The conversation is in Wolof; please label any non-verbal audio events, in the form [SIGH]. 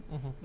[HESITATION] [HESITATION]